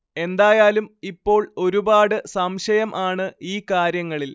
എന്തായാലും ഇപ്പോൾ ഒരുപാട് സംശയം ആണ് ഈ കാര്യങ്ങളിൽ